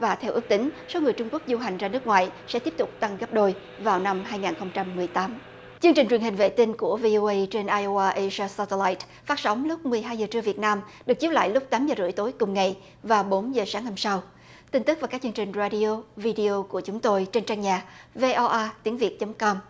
và theo ước tính số người trung quốc du hành ra nước ngoài sẽ tiếp tục tăng gấp đôi vào năm hai ngàn không trăm mười tám chương trình truyền hình vệ tinh của vi ô ây trên ai ô a ê sa sa ta nai phát sóng lúc mười hai giờ trưa việt nam được chiếu lại lúc tám giờ rưỡi tối cùng ngày và bốn giờ sáng hôm sau tin tức và các chương trình ra đi ô vi đi ô của chúng tôi trên trang nhà vê o a tiếng việt chấm com